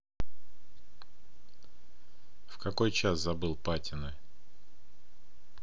в какой час забыл патина